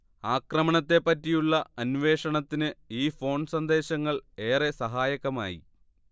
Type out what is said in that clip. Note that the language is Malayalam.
ആക്രമണത്തെപ്പറ്റിയുള്ള അന്വേഷണത്തിന് ഈ ഫോൺ സന്ദേശങ്ങൾ ഏറെ സഹായകമായി